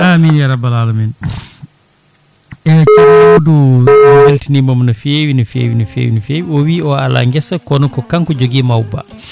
amine ya rabbal alamina eyyi ceerno Amadou o weltinimamo no fewi no fewi no fewi no fewi o wi o ala guesa kono ko kanko joogui mawba ba